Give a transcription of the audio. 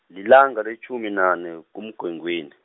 lilanga letjhumi nane, kuMgwengweni.